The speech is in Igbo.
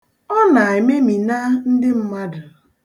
Ọ na-ememina ndị mmadụ.